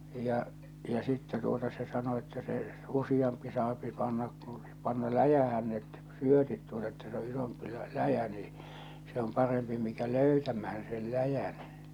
ja ja sitten tuota se sanoi että se useampi saa panna kun panna läjään ne syötit tuota että se on isompi - läjä niin se on parempi mikä löytämään sen läjän